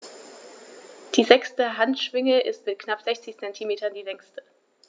Die sechste Handschwinge ist mit knapp 60 cm die längste.